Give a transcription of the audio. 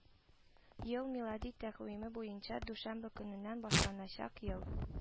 Ел – милади тәкъвиме буенча дүшәмбе көненнән башланачак ел